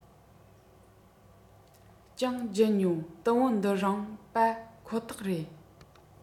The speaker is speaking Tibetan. ཀྱང བརྒྱུད མྱོང དུམ བུ འདི རང པ ཁོ ཐག རེད